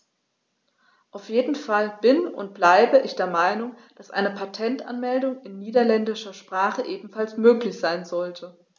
Auf jeden Fall bin - und bleibe - ich der Meinung, dass eine Patentanmeldung in niederländischer Sprache ebenfalls möglich sein sollte.